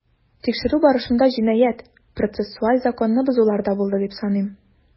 Тикшерү барышында җинаять-процессуаль законны бозулар да булды дип саныйм.